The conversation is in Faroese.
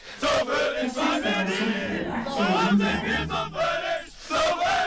tað sigst at vera sunt at eta eitt súrepli um dagin